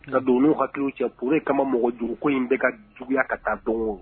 Nka don hakilikiw cɛure kama mɔgɔjuguko in bɛ ka juguya ka taa dɔn